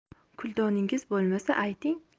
kuldoningiz bo'lmasa ayting